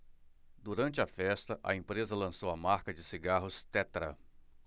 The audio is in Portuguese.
durante a festa a empresa lançou a marca de cigarros tetra